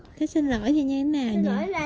thế xin lỗi thì như thế nào nhỉ